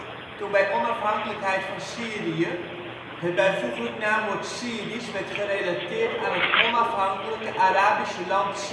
toen bij onafhankelijkheid van Syrië, het bijvoeglijk naamwoord Syrisch werd gerelateerd aan het onafhankelijke (Arabische) land